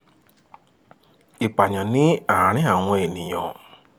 Ìpànìyàn ní àárín àwọn ènìyàn